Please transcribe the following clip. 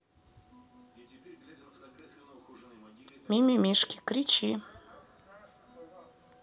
мимимишки кричи